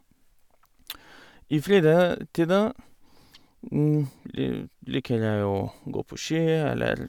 I frida tida li liker jeg å gå på ski eller...